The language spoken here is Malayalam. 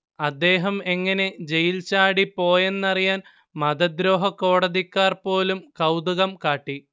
അദ്ദേഹം എങ്ങനെ ജയിൽ ചാടിപ്പോയെന്നറിയാൻ മതദ്രോഹക്കോടതിക്കാർ പോലും കൗതുകം കാട്ടി